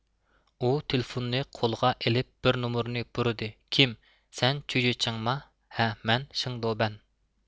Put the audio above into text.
ئۇ تېلېفوننى قولىغا ئېلىپ بىر نومۇرنى بۇرىدى كىم سەن چۈيجىچىڭما ھە مەن شېڭدۇبەن